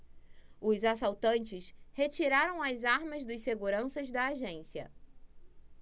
os assaltantes retiraram as armas dos seguranças da agência